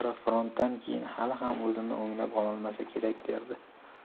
bechora frontdan keyin hali ham o'zini o'nglab ololmasa kerak derdi